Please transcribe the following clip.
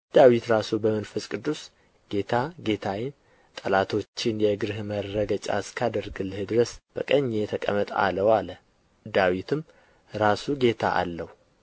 ዳዊት ራሱ በመንፈስ ቅዱስ ጌታ ጌታዬን ጠላቶችህን የእግርህ መረገጫ እስካደርግልህ ድረስ በቀኜ ተቀመጥ አለው አለ ዳዊትም ራሱ ጌታ አለው